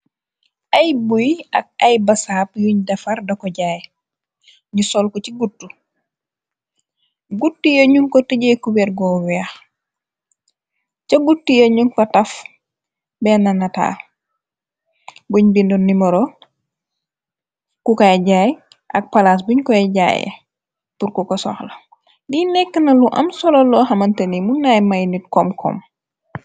Py buy ak ay basaab yuñ defar dako jaay ñu solko ci guut guti ya ñu ko tëjee kubergoveex ca guuti yañu ko taf benn nata buñ bindu nimero u koy jaay ak palaas buñ koy jaye ko soxla di nekk na lu am solo loo xamanteni mu naay may nit kom kom.